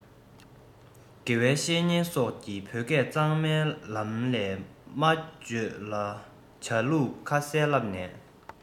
དགེ བའི བཤེས གཉེན སོགས ཀྱི བོད སྐད གཙང མའི ལམ ལས སྨྲ བརྗོད བྱ ལུགས ཁ གསལ བསླབ ནས